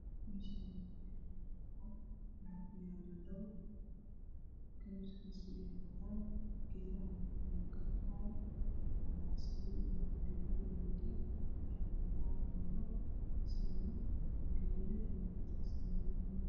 Meeshaani waa ku yaala dabaqa kalarkisa yahay cadaan waxaa isugu imaaday gabdho wiilal waxay wataan boorar ku sawiran yihiin gedi